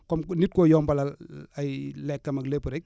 comme ku nit koo yombalal ay lekkam ak lépp rek